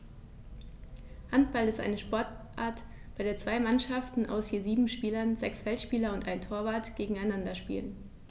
Handball ist eine Sportart, bei der zwei Mannschaften aus je sieben Spielern (sechs Feldspieler und ein Torwart) gegeneinander spielen.